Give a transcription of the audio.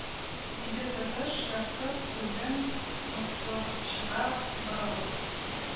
Диде тотыш, ярсып, үзен мыскыллаучыга борылып